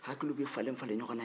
hakiliw bɛ falen falen ɲɔgɔn na